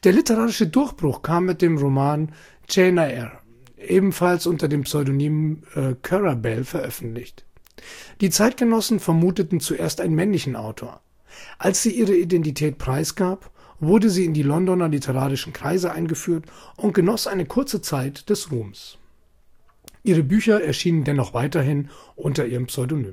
literarische Durchbruch kam mit dem Roman Jane Eyre, ebenfalls unter dem Pseudonym Currer Bell veröffentlicht. Die Zeitgenossen vermuteten zuerst einen männlichen Autor. Als sie ihre Identität preisgab, wurde sie in die Londoner literarischen Kreise eingeführt und genoss eine kurze Zeit des Ruhms. Ihre Bücher erschienen dennoch weiterhin unter ihrem Pseudonym